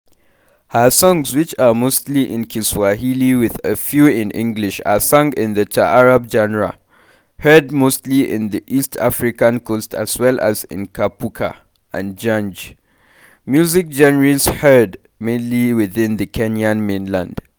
Her songs which are mostly in Kiswahili with a few in English are sang in the Taarab genre heard mostly in the East African Coast as well as in Kapuka and Genge, music genres heard mainly within the Kenyan mainland.